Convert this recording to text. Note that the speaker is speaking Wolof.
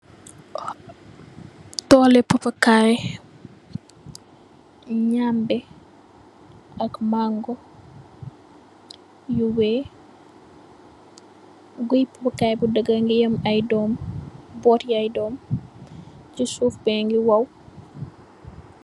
Tooli papakaya, nyambi ak mango yu weex kooi papakaya bagi am ay dom bod ay dom si suuf bagi woow.